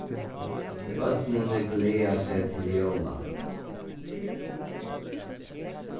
børnini gleða seg til jóla